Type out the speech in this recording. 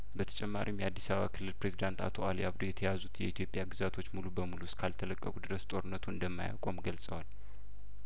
በተጨማሪም የአዲስአባ ክልል ፕሬዝዳንት አቶ አሊ አብዶ የተያዙት የኢትዮጵያ ግዛቶች ሙሉ በሙሉ እስካልተለቀቁ ድረስ ጦርነቱ እንደማያቆም ገልጸዋል